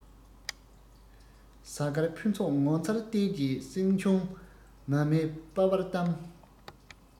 གཟའ སྐར ཕུན ཚོགས ངོ མཚར ལྟས བཅས སྲིང ཆུང མ མའི སྤ བར བལྟམས